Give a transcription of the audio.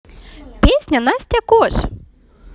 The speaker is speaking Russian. песня настя кош